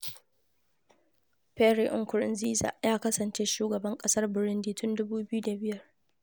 Pierre Nkurunziza ya kasance shugaban ƙasar Burundi tun 2005.